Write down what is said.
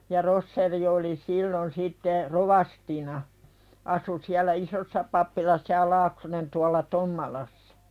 ja Roschier oli silloin sitten rovastina asui siellä isossa pappilassa ja Laaksonen tuolla Tommalassa